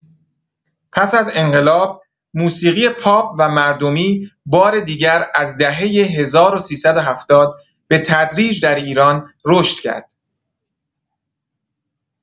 پس از انقلاب، موسیقی پاپ و مردمی بار دیگر از دهۀ ۱۳۷۰ به‌تدریج در ایران رشد کرد.